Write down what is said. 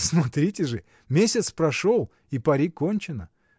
— Смотрите же: месяц прошел — и пари кончено.